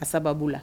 A sababu la.